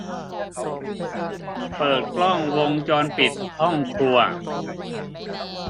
เปิดกล้องวงจรปิดห้องครัว